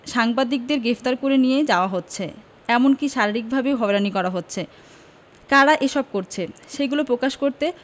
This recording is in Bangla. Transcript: সাংবাদিকদের গ্রেপ্তার করে নিয়ে যাওয়া হচ্ছে এমনকি শারীরিকভাবেও হয়রানি করা হচ্ছে কারা এসব করছে সেগুলো প্রকাশ করতে